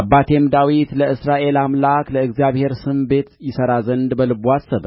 አባቴም ዳዊት ለእስራኤል አምላክ ለእግዚአብሔር ስም ቤት ይሠራ ዘንድ በልቡ አሰበ